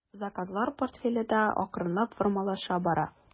Заказлар портфеле дә акрынлап формалаша бара.